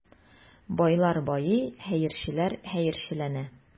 Байлар байый, хәерчеләр хәерчеләнә.